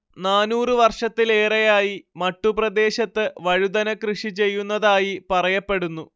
നാനൂറ് വർഷത്തിലേറെയായി മട്ടുപ്രദേശത്ത് വഴുതന കൃഷി ചെയ്യുന്നതായി പറയപ്പെടുന്നു